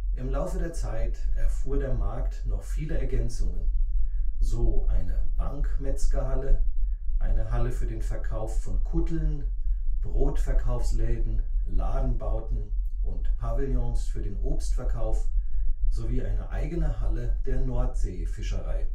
Im Laufe der Zeit erfuhr der Markt noch viele Ergänzungen, so eine Bankmetzgerhalle, eine Halle für den Verkauf von Kutteln, Brotverkaufsläden, Ladenbauten und Pavillons für den Obstverkauf sowie eine eigene Halle der Nordseefischerei